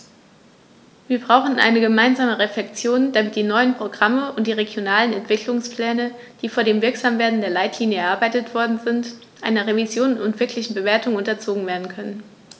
Wir brauchen eine gemeinsame Reflexion, damit die neuen Programme und die regionalen Entwicklungspläne, die vor dem Wirksamwerden der Leitlinien erarbeitet worden sind, einer Revision und wirklichen Bewertung unterzogen werden können.